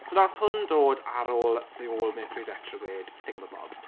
So wnaeth hwn dod ar ôl The Old Mercury Retrograde thingamabob.